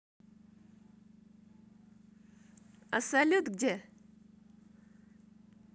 а салют где